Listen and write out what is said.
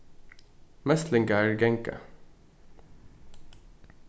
meslingar ganga